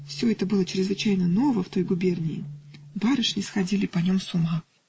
Все это было чрезвычайно ново в той губернии. Барышни сходили по нем с ума.